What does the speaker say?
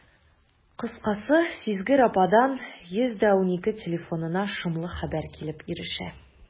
Кыскасы, сизгер ападан «112» телефонына шомлы хәбәр килеп ирешә.